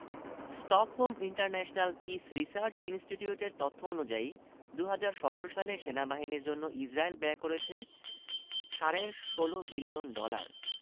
Stockholm International Peace Research ইনস্টিটিউটের তথ্য অনুযায়ী ২০১৭ সালে সেনাবাহিনীর জন্য ইসরায়েল ব্যয় করেছে সাড়ে ১৬ বিলিয়ন ডলার